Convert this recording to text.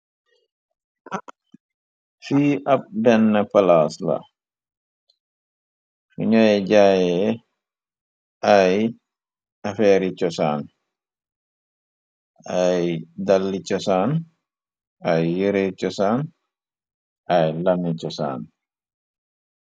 fi ab denn palaas la fu ñooy jaaye ay afeeri cosaan ay dalli cosaan ay yere cosaan ay lami cosaan.